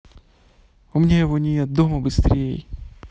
у меня его нету дома быстрей